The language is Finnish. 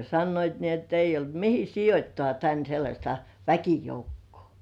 sanoivat niin että ei ollut mihin sijoittaa tänne sellaista väkijoukkoa